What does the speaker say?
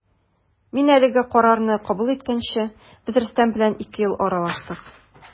Мин әлеге карарны кабул иткәнче без Рөстәм белән ике ел аралаштык.